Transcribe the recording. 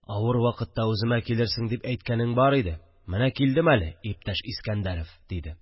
– авыр вакытта үземә килерсең дип әйткәнең бар иде, менә килдем әле, иптәш искәндәрев, – диде